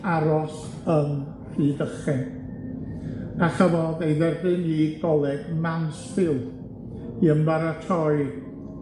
aros yn Rhydychen, a chafodd ei dderbyn i Goleg Mansfield i ymbaratoi